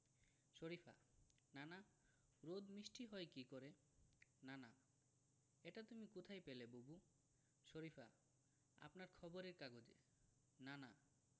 শরিফা নানা রোদ মিষ্টি হয় কী করে নানা এটা তুমি কোথায় পেলে বুবু শরিফা আপনার খবরের কাগজে নানা